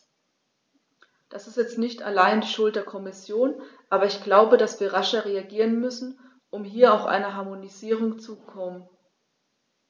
Das ist jetzt nicht allein die Schuld der Kommission, aber ich glaube, dass wir rascher reagieren müssen, um hier auch zu einer Harmonisierung zu kommen.